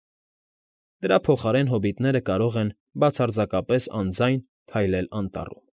Դրա փոխարեն հոբիտները կարող են բացարձակապես անձայն քայլել անտառում։